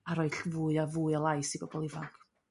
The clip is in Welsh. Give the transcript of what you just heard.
a roi ll- fwy a fwy o lais i bobol ifanc.